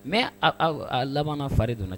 Mɛ a labanana fari donna